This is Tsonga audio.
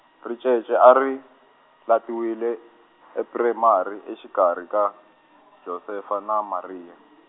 ricece a ri, latiwile , epremari exikarhi ka , Josefa na Maria.